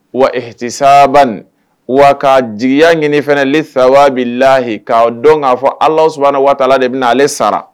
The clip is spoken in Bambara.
Wa saba wa jigiya ɲini fanali saba bɛ layi ka don k'a fɔ ala s waatala de bɛna ale sara